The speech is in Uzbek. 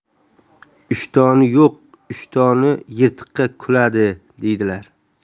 ishtoni yo'q ishtoni yirtiqqa kuladi deydilar